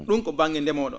?um ko ba?nge ndemoo?o oo